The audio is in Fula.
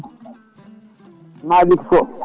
Malick Sow